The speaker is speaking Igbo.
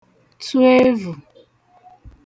tụ evù